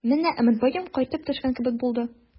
Менә Өметбаем кайтып төшкән кебек булды.